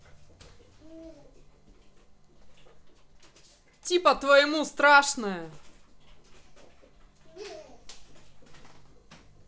типа твоему страшное